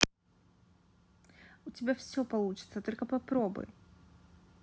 у тебя все получится только попробуй